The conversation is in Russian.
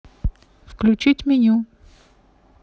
включить меню